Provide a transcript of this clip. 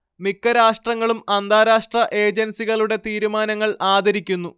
മിക്കരാഷ്ട്രങ്ങളും അന്താരാഷ്ട്ര ഏജൻസികളുടെ തീരുമാനങ്ങൾ ആദരിക്കുന്നു